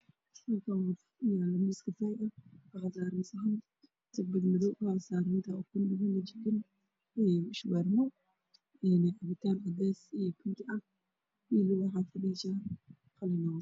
Waa kafee iyo shuwaarmo nin ayaa cunaayo